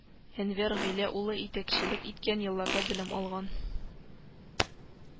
Әнвәр Гыйлә улы итәкчелек иткән елларда белем алган